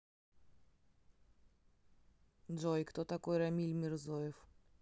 джой кто такой рамиль мирзоев